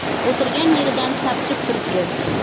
o'tirgan yeridan sapchib turibdi